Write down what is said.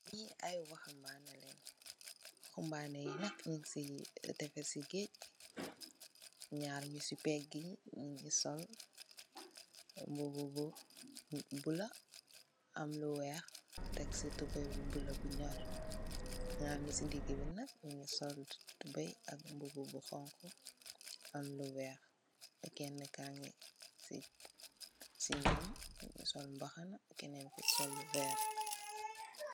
Nyi i wahamaneh lenj wahamanei yi nak nyun sey tefessi gauge bi nyarr nyu sey peckei nyungi sol mbubu bu buloo am lu weih tekk sey tubai bu buloo bu nyorr nyarr nyu sey dega bi nak nyungi sol tubai kai mbubu bu hunhu am lu weih kenah ka ngi sey nyom Mungi sol mbahana kenen ki sol lu verteh.